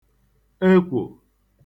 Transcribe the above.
ekwò